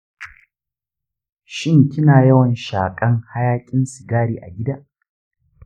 shin kina yawan shakan hayakin sigari a gida?